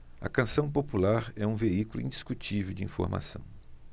a canção popular é um veículo indiscutível de informação